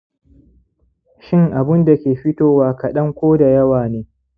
shin abunda ke fitowa kaɗan ko da yawa ne